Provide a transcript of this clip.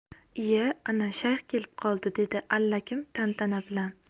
iya ana shayx kelib qoldi dedi allakim tantana bilan